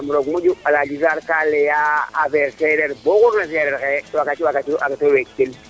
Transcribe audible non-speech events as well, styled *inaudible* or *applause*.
yaam roog moƴu Aladji Sarr ka leya affaire sereer bo oxu ref na sereer xaye waaga *unintelligible*